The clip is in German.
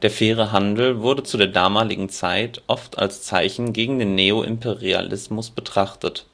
Der faire Handel wurde zu der damaligen Zeit oft als Zeichen gegen den Neoimperialismus betrachtet